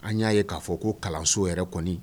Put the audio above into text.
An y'a ye k'a fɔ ko kalanso yɛrɛ kɔni